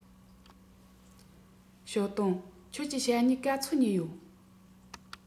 ཞའོ ཏུང ཁྱོད ཀྱིས ཞྭ སྨྱུག ག ཚོད ཉོས ཡོད